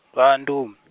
vha ndum-.